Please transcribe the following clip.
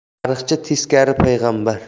tarixchi teskari payg'ambar